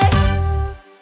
anh